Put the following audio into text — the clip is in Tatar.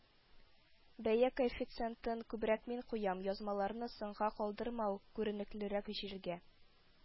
Бәя коэффициентын күбрәк мин куям, язмаларны соңга калдырмау, күренеклерәк җиргә